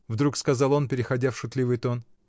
— вдруг сказал он, переходя в шутливый тон.